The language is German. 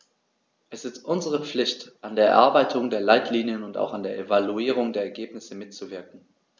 Es ist unsere Pflicht, an der Erarbeitung der Leitlinien und auch an der Evaluierung der Ergebnisse mitzuwirken.